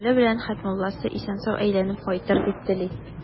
Күңеле белән Хәтмулласы исән-сау әйләнеп кайтыр дип тели.